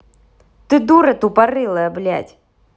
ты дура тупорылая блядь